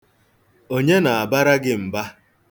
Onye na-abara gị mba?